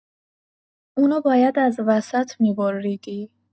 اونو باید از وسط می‌بریدی